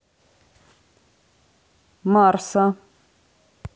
марса